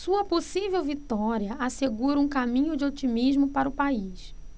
sua possível vitória assegura um caminho de otimismo para o país